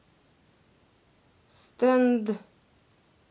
стенд